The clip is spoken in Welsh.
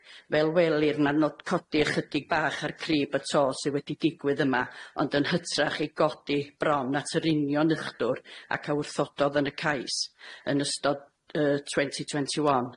fel welir na nod codi ychydig bach ar crib y to sy wedi digwydd yma, ond yn hytrach ei godi bron at yr union uchdwr ac a wrthododd yn y cais yn ystod yy twenty twenty one.